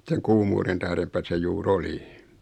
sen kuumuuden tähdenpä se juuri oli